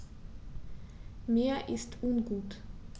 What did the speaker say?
Mir ist ungut.